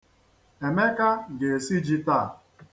Emeka ga-esi ji taa.